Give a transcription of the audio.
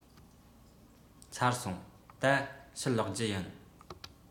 ཚར སོང ད ཕྱིར ལོག རྒྱུ ཡིན